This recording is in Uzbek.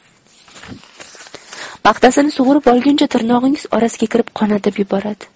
paxtasini sug'urib olguncha tirnog'ingiz orasiga kirib qonatib yuboradi